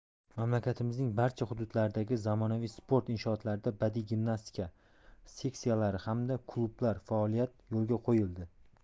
mamlakatimizning barcha hududlaridagi zamonaviy sport inshootlarida badiiy gimnastika seksiyalari hamda klublari faoliyati yo'lga qo'yildi